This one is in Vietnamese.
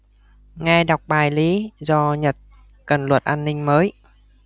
nghe đọc bài lý do nhật cần luật an ninh mới